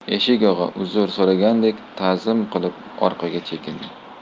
eshik og'a uzr so'ragandek tazim qilib orqaga chekindi